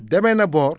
demee na boor